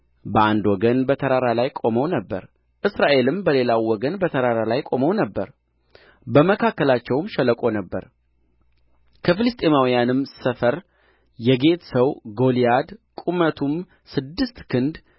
በአንድ ወገን በተራራ ላይ ቆመው ነበር እስራኤልም በሌላው ወገን በተራራ ላይ ቆመው ነበር በመካከላቸውም ሸለቆ ነበረ ከፍልስጥኤማውያንም ሰፈር የጌት ሰው ጎልያድ ቁመቱም ስድስት ክንድ